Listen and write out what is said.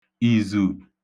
ìzù